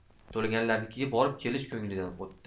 to'laganlarnikiga borib kelish ko'nglidan o'tdi